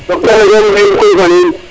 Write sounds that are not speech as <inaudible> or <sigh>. to kene <unintelligible>